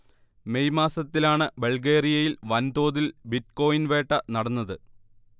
May മാസത്തിലാണ് ബൾഗേറിയയിൽ വൻതോതിൽ ബിറ്റ്കോയിൻ വേട്ട നടന്നത്